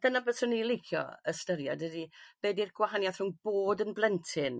dyna byswn i licio ystyried ydi be' 'di'r gwahaniath rhwng bod yn blentyn